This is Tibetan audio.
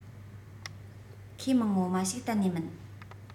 ཁོའི མིང ངོ མ ཞིག གཏན ནས མིན